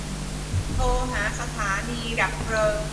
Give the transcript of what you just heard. โทรหาสถานีดับเพลิง